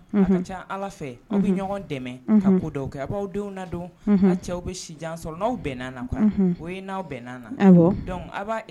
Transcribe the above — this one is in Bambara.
Fɛ bɛ ɲɔgɔn dɛmɛ kɛ aw' denw don cɛw bɛ si sɔrɔ n' aw bɛn o ye n' awaw bɛn